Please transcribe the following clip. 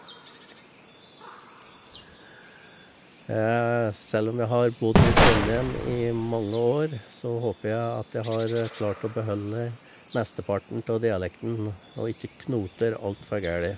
Selv om jeg har bodd i Trondhjem i mange år, så håper jeg at jeg har klart å beholde mesteparten ta dialekten, og ikke knoter altfor gæli.